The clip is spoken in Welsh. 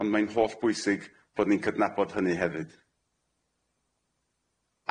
ond mae'n hollbwysig bod ni'n cydnabod hynny hefyd.